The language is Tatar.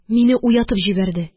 Мине уятып җибәрде